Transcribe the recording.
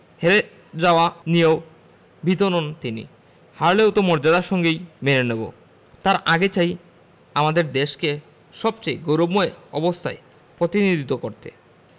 হেরে যাওয়া নিয়েও ভীত নন তিনি হারলেও তা মর্যাদার সঙ্গেই মেনে নেব তার আগে চাই আমাদের দেশকে সবচেয়ে গৌরবময় অবস্থায় প্রতিনিধিত্ব করতে